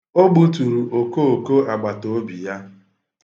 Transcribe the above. O gbuturu okooko agbataobi ya.